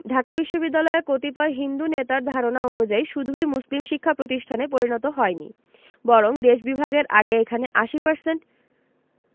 ঢাকা বিশ্ববিদ্যালয় কতিপয় হিন্দু নেতার ধারণা অনুযায়ী শুধুই মুসলিম শিক্ষা প্রতিষ্ঠানে পরিণত হয় নি বরং দেশ বিভাগের আগে এখানে ৮০%